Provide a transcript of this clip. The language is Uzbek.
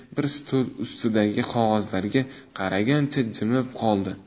bir stol ustidagi qog'ozlarga qaragancha jimib qoldi